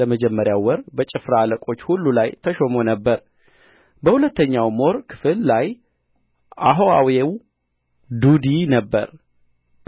ለመጀመሪያው ወር በጭፍራ አለቆች ሁሉ ላይ ተሾሞ ነበር በሁለተኛውም ወር ክፍል ላይ አሆሃዊው ዱዲ ነበረ